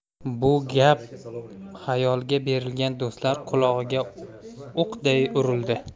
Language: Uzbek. bu gap xayolga berilgan do'stlar qulog'iga o'qday urildi